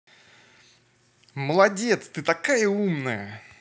молодец ты такая умная